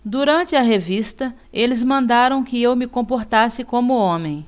durante a revista eles mandaram que eu me comportasse como homem